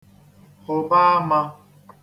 -hụ̀ba āmā